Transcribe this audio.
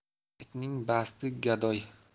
itning basti gadoy